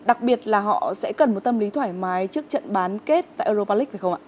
đặc biệt là họ sẽ cần một tâm lý thoải mái trước trận bán kết tại ơ rô pa lích phải không ạ